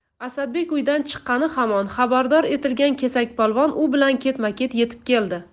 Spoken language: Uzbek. asadbek uydan chiqqani hamon xabardor etilgan kesakpolvon u bilan ketma ket yetib keldi